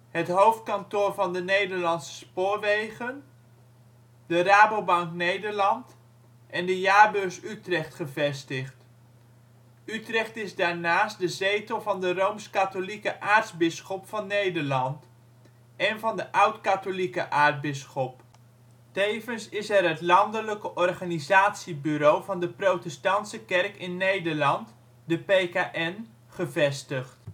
het hoofdkantoor van de Nederlandse Spoorwegen, de Rabobank Nederland en de Jaarbeurs Utrecht gevestigd. Utrecht is daarnaast de zetel van de rooms-katholieke aartsbisschop van Nederland (zie aartsbisdom Utrecht) en van de oudkatholieke aartsbisschop. Tevens is er het landelijke organisatiebureau van de Protestantse Kerk in Nederland (PKN) gevestigd